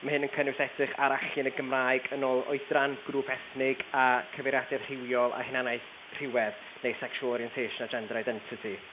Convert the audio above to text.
Ma' hyn yn cynnwys edrych ar allu yn y Gymraeg yn ôl oedran, grwp ethnig, a cyfeiriadau rhywiol a hunanaeth rhywedd neu sexual orientation a gender identity.